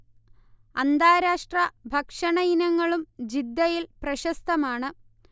അന്താരാഷ്ട്ര ഭക്ഷണ ഇനങ്ങളും ജിദ്ദയിൽ പ്രശസ്തമാണ്